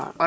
waaw